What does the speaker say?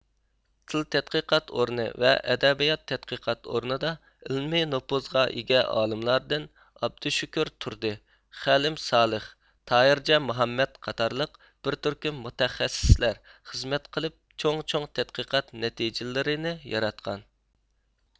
تىل تەتقىقات ئورنى ۋە ئەدەبىيات تەتقىقات ئورنىدا ئىلمىي نوپۇزغا ئىگە ئالىملاردىن ئابدۇشۈكۈر تۇردى خەلىم سالىخ تاھىرجان مۇھەممەد قاتارلىق بىر تۈركۈم مۇتەخەسسىسلەر خىزمەت قىلىپ چوڭ چوڭ تەتقىقات نەتىجىلىرىنى ياراتقان